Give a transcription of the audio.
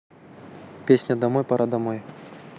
песня домой пора домой